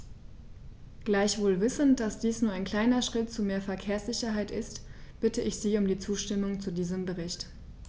Gleichwohl wissend, dass dies nur ein kleiner Schritt zu mehr Verkehrssicherheit ist, bitte ich Sie um die Zustimmung zu diesem Bericht.